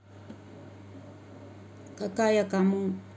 какая кому